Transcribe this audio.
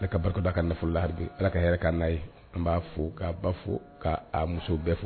Ale ka barika don a ka nafolo la hali bi Ala ka yɛrɛ k'an n'a ye an b'a fo k'a ba fo ka a muso bɛɛ fo